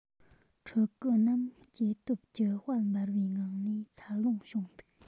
ཕྲུ གུ རྣམས སྐྱེ སྟོབས ཀྱི དཔལ འབར བའི ངང ནས འཚར ལོངས བྱུང འདུག